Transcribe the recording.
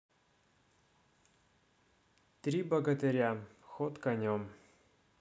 три богатыря ход конем